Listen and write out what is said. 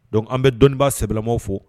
Donc an bɛ dɔnnibaa sɛbɛlamaw fo